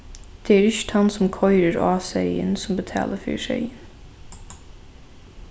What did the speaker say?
tað er ikki tann sum koyrir á seyðin sum betalir fyri seyðin